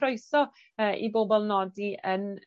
croeso yy i bobol nodi yn